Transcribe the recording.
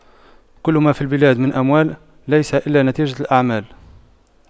كل ما في البلاد من أموال ليس إلا نتيجة الأعمال